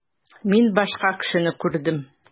Мин башка кешене күрдем.